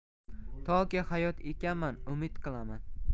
toki hayot ekanman umid qilaman